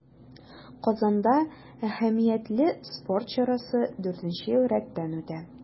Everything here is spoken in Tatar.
Казанда әһәмиятле спорт чарасы дүртенче ел рәттән үтә.